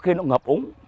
khi nó ngập úng